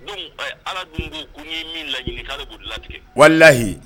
donc, allah dun ko ko n'i ye min laɲini k'ale b'o latigɛ walahi